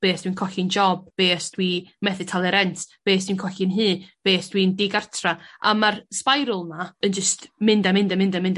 Be' 's dwi'n colli'n job? Be' os dwi methu talu rent? Be' os dwi'n colli'n nhŷ? Be' os dwi'n digartra? A ma'r sbiral 'ma yn jyst mynd a mynd a mynd a mynd